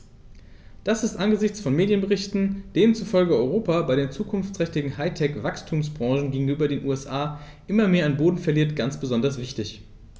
Das ist angesichts von Medienberichten, denen zufolge Europa bei den zukunftsträchtigen High-Tech-Wachstumsbranchen gegenüber den USA immer mehr an Boden verliert, ganz besonders wichtig.